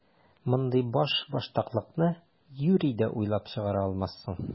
Мондый башбаштаклыкны юри дә уйлап чыгара алмассың!